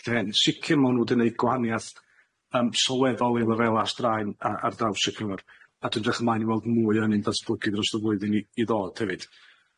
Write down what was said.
Lle'n sicir ma' n'w 'di neud gwahaniath yym sylweddol i lefelau straen a- ar draws y cyfnod a dwi'n edrych ymlaen i weld mwy o hynny'n datblygu dros y blwyddyn i i ddod hefyd.